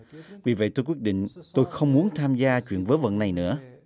vì vậy tôi quyết định tôi không muốn tham gia chuyện vớ vẩn này nữa